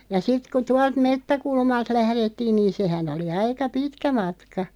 ja sitten kun tuolta metsäkulmalta lähdettiin niin sehän oli aika pitkä matka